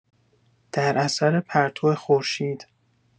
در اثر پرتو خورشید